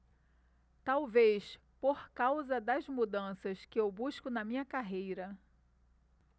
talvez por causa das mudanças que eu busco na minha carreira